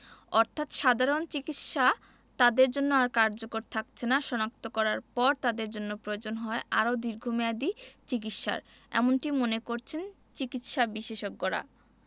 অর্থাৎ সাধারণ চিকিৎসা তাদের জন্য আর কার্যকর থাকছেনা শনাক্ত করার পর তাদের জন্য প্রয়োজন হয় আরও দীর্ঘমেয়াদি চিকিৎসার এমনটিই মনে করছেন চিকিৎসাবিশেষজ্ঞরা